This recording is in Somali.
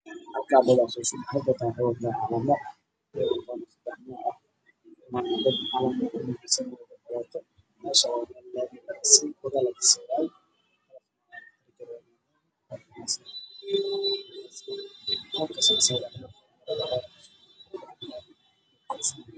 Halkan waa wado oo la soo dhaweynayaa dad